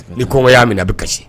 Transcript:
Ni kɔngɔ y'a minɛ na a bɛ kasi